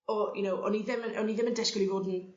O' you know o'n i ddim yn o'n i ddim yn disgwl i fod 'n